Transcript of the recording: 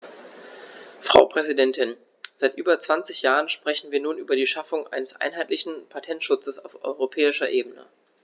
Frau Präsidentin, seit über 20 Jahren sprechen wir nun über die Schaffung eines einheitlichen Patentschutzes auf europäischer Ebene.